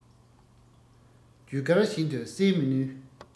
རྒྱུ སྐར བཞིན དུ གསལ མི ནུས